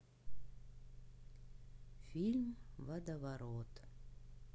фильм водоворот